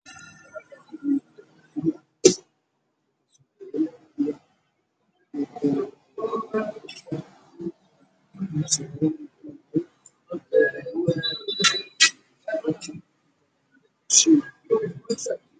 Halkaan waxaa yaalo hilib digaag iyo wuxuu yahay maqaano